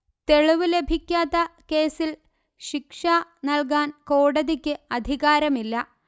തെളിവു ലഭിക്കാത്ത കേസിൽ ശിക്ഷ നല്കാൻ കോടതിക്ക് അധികാരമില്ല